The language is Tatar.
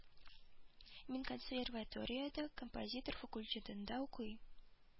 Мин косерваториядә композиция факультетында укыйм